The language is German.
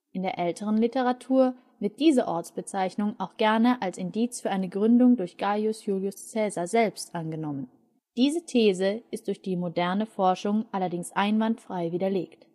In der älteren Literatur wird diese Ortsbezeichnung auch gerne als Indiz für eine Gründung durch Gaius Iulius Caesar selbst angenommen. Diese These ist durch die moderne Forschung allerdings einwandfrei widerlegt